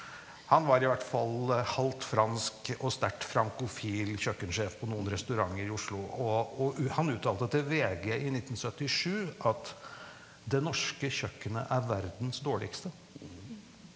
han var i hvert fall halvt fransk og sterkt frankofil kjøkkensjef på noen restauranter i Oslo, og og han uttalte til VG i 1977 at det norske kjøkkenet er verdens dårligste.